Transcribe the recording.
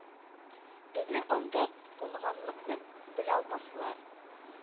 Безнең анда кунганлыкны белалмаслар».